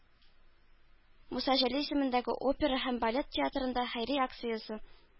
Муса Җәлил исемендәге опера һәм балет театрында – хәйрия акциясе